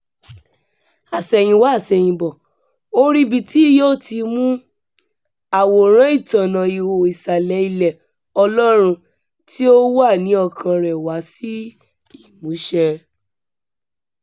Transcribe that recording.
Àṣẹ̀yìnwá àṣẹ̀yìnbọ ó rí ibi tí yóò ti mú àwòrán-ìtọ́nà ihò nísàlẹ̀ ilẹ̀ẹ Ọlọ́run tí ó wà ní ọkàn-an rẹ̀ wá sí ìmúṣẹ.